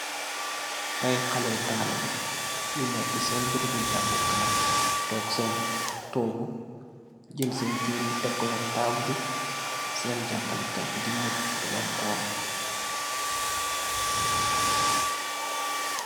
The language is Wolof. Ayy xaleh talibeh yu neka seen perem bi gangu kai tog seen togu jeel sen tereye tek ko sen tabale yi sen jangeleh kat bi de wor dilen xol.